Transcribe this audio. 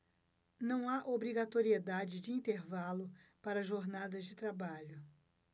não há obrigatoriedade de intervalo para jornadas de trabalho